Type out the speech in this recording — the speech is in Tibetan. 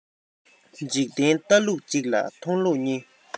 འཇིག རྟེན ལྟ ལུགས གཅིག ལ མཐོང ལུགས གཉིས